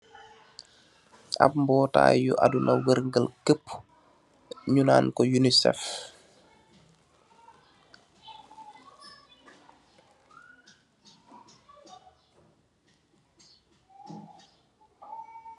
Ab mbotaayu aduna weaur ngeaul keaup, nyu naan ko unicef.